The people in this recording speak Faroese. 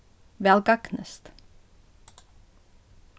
væl gagnist